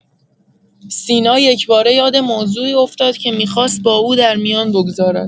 سینا یکباره یاد موضوعی افتاد که می‌خواست با او درمیان بگذارد.